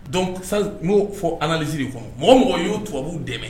Donc n'o fɔ alazsiri kɔnɔ mɔgɔ mɔgɔ y'o tubabu'u dɛmɛ